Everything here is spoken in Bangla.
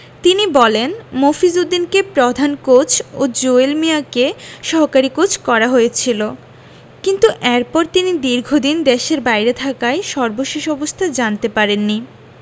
তিনি বলেন মফিজ উদ্দিনকে প্রধান কোচ ও জুয়েল মিয়াকে সহকারী কোচ করা হয়েছিল কিন্তু এরপর তিনি দীর্ঘদিন দেশের বাইরে থাকায় সর্বশেষ অবস্থা জানতে পারেননি